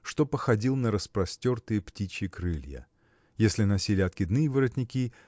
что походил на распростертые птичьи крылья если носили откидные воротники